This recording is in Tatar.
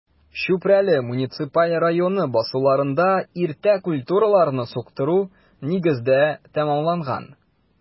Чүпрәле муниципаль районы басуларында иртә культураларны суктыру нигездә тәмамланган.